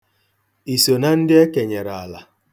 I so na ndị e kenyere ala?